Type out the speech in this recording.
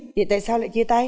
vậy tại sao lại chia tay